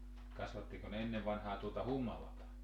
kasvattiko ne ennen vanhaan tuota humalaa